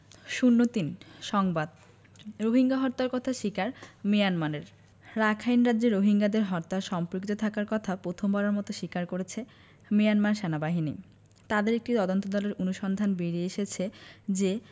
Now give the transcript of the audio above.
০৩ সংবাদ রোহিঙ্গা হত্যার কথা স্বীকার মিয়ানমারের রাখাইন রাজ্যে রোহিঙ্গাদের হত্যায় সম্পৃক্ত থাকার কথা প্রথমবারের মতো স্বীকার করেছে মিয়ানমার সেনাবাহিনী তাদের একটি তদন্তদলের অনুসন্ধানে বেরিয়ে এসেছে যে